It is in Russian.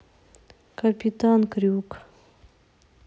капитан крюк